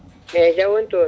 eyyi jaam woni toon